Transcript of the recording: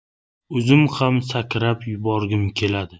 o'zim ham sakrab yuborgim kelardi